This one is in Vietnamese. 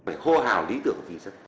phải hô hào lý tưởng vì dân